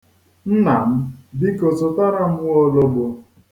Nna m biko zụtara m nwoologbo.